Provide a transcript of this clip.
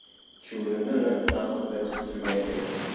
chuvrindi uni dahlizda kutib turgan edi